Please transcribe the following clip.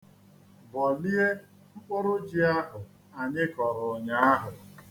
Bọlie mkpụrụ ji ahụ anyị kọrọ ụnyaahụ.